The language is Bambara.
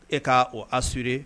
E ka o assurer